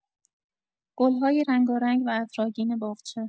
گل‌های رنگارنگ و عطرآگین باغچه